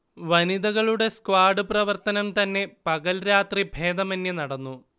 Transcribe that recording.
വനിതകളുടെ സ്ക്വാഡ് പ്രവർത്തനം തന്നെ പകൽരാത്രി ഭേദമന്യേ നടന്നു